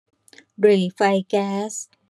หรี่ไฟแก๊ส